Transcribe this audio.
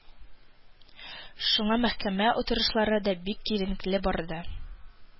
Шуңа мәхкәмә утырышлары да бик киеренке барды